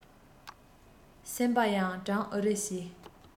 སེམས པ ཡང གྲང འུར རེ བྱས